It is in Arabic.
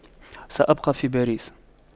سأبقى في باريس